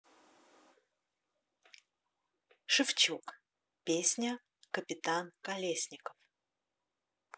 шевчук песня капитан колесников